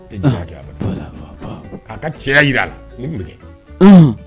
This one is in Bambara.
Ja a ka cayaya jira a la ne tun